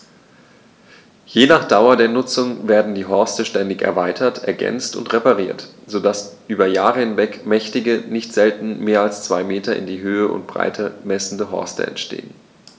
Je nach Dauer der Nutzung werden die Horste ständig erweitert, ergänzt und repariert, so dass über Jahre hinweg mächtige, nicht selten mehr als zwei Meter in Höhe und Breite messende Horste entstehen.